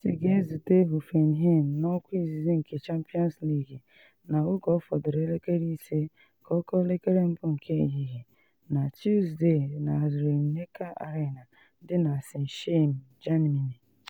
City ga-ezute Hoffenheim n’ọkwa izizi nke Champions League na 12:55 ehihie, na Tusde na Rhein-Neckar-Arena dị na Sinsheim, Germany.